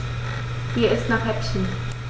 Mir ist nach Häppchen.